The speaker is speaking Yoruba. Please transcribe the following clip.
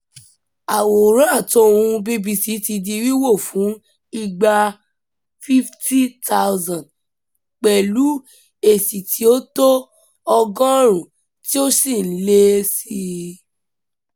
Àwòrán-àtohùn-un BBC Swahili ti di wíwò fún ìgbà 50,000 pẹ̀lú èsì tí ó tó 100 tí ó sì ń lé sí í.